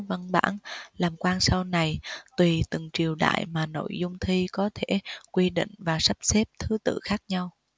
văn bản làm quan sau này tùy từng triều đại mà nội dung thi có thể quy định và sắp xếp thứ tự khác nhau